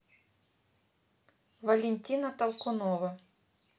валентина толкунова